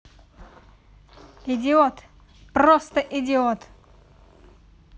идиот просто идиот